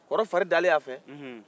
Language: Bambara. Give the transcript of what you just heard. kɔrɔ fari dalen a fɛ nhun hun